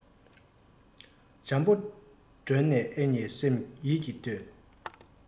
འཇམ པོ བསྒྲོན ནས ཨེ མཉེས ཡིད ཀྱིས ལྷོས